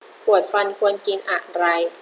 ปวดฟันควรกินอะไร